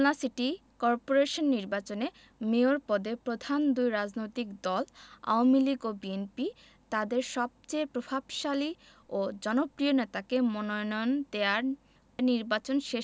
Khulna city corporation নির্বাচনে mayor পদে প্রধান দুই রাজনৈতিক দল আওয়ামী লীগ ও বিএনপি তাদের সবচেয়ে প্রভাবশালী ও জনপ্রিয় নেতাকে মনোনয়ন দেয়ার